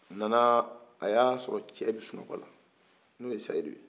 aa a y'a sɔrɔ cɛ bɛ sunɔgɔ la n'o ye seydu ye